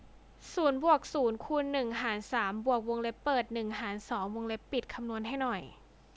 ศูนย์บวกศูนย์คูณหนึ่งหารสามบวกวงเล็บเปิดหนึ่งหารสองวงเล็บปิดคำนวณให้หน่อย